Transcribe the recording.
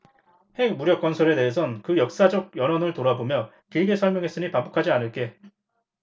핵무력건설에 대해선 그 역사적 연원을 돌아보며 길게 설명했으니 반복하지 않을게